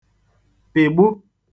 pị̀gbu